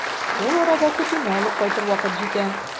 Ул арада көтүне алып кайтыр вакыт җитә.